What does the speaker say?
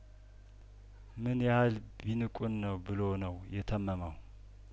ምን ያህል ቢን ቁን ነው ብሎ ነው የተመመው